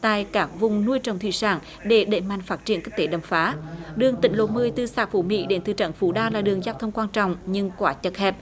tại các vùng nuôi trồng thủy sản để đẩy mạnh phát triển kinh tế đầm phá đường tỉnh lộ mười từ xã phú mỹ đến thị trấn phú đa là đường giao thông quan trọng nhưng quá chật hẹp